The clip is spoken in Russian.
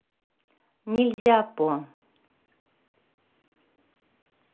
нельзя по